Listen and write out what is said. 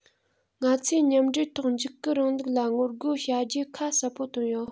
ང ཚོས མཉམ འབྲེལ ཐོག འཇིགས སྐུལ རིང ལུགས ལ ངོ རྒོལ བྱ རྒྱུ ཁ གསལ པོ བཏོན ཡོད